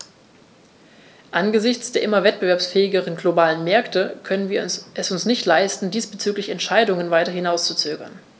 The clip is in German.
Angesichts der immer wettbewerbsfähigeren globalen Märkte können wir es uns nicht leisten, diesbezügliche Entscheidungen weiter hinauszuzögern.